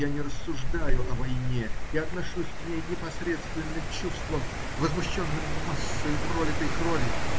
я не рассуждаю о войне и отношусь к ней непосредственным чувством, возмущенным массою пролитой крови.